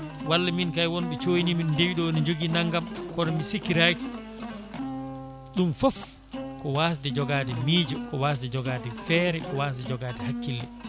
walla min kayi wonɓe coynimi ne ndewi ɗo ne joogui naggam kono mi sikki taki ɗum foof ko wasde jogade miijo ko wasde jogade feere ko wasde jogade hakkille